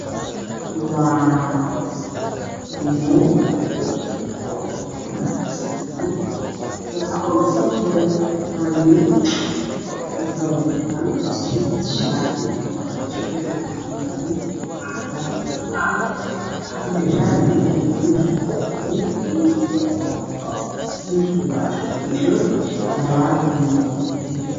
Waa meel fadhiyo nimana waxaa ogu so horeeyo hal nin waxuu wataa suud shaati garamati waxaa ag yaalo lacag sud madow garamtiga wa baluug